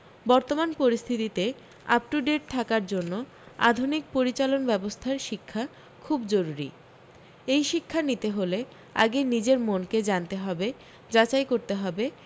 বর্তমান পরিস্থিতিতে up to date থাকার জন্য আধুনিক পরিচালন ব্যবস্থার শিক্ষা খুব জরুরি এই শিক্ষা নিতে হলে আগে নিজের মনকে জানতে হবে যাচাই করতে হবে